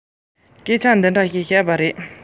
འདྲ བར འདི འདྲ བརྗོད